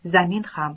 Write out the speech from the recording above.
zamin ham